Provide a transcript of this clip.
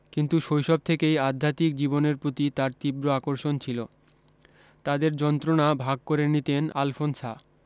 কিন্তু শৈশব থেকেই আধ্যাত্মিক জীবনের প্রতি তার তীব্র আকর্ষণ ছিল তাদের যন্ত্রণা ভাগ করে নিতেন আলফোনসা